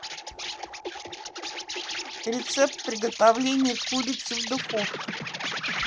рецепт приготовления курицы в духовке